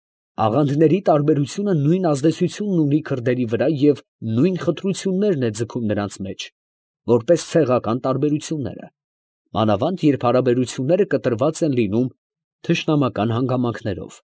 Աղանդների տարբերությունը նույն ազդեցությունն ունի քրդերի վրա և նույն խտրություններն է ձգում նրանց մեջ, որպես ցեղական տարբերությունները, մանավանդ երբ հարաբերությունները կտրված են լինում թշնամական հանգամանքներով։